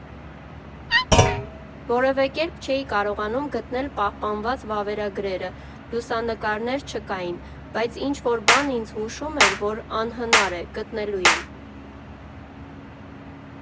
Որևէ կերպ չէի կարողանում գտնել պահպանված վավերագրերը՝ լուսանկարներ չկային։ Բայց ինչ֊որ բան ինձ հուշում էր, որ անհնար է՝ գտնելու եմ։